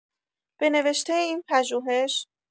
به نوشته این پژوهش